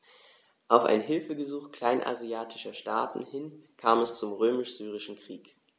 Auf ein Hilfegesuch kleinasiatischer Staaten hin kam es zum Römisch-Syrischen Krieg.